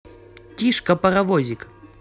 тишка паровозик